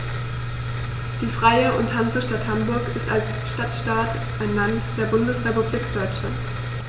Die Freie und Hansestadt Hamburg ist als Stadtstaat ein Land der Bundesrepublik Deutschland.